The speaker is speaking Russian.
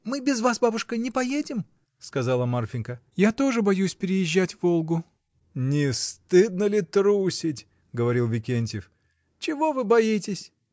— Мы без вас, бабушка, не поедем, — сказала Марфинька, — я тоже боюсь переезжать Волгу. — Не стыдно ли трусить? — говорил Викентьев. — Чего вы боитесь?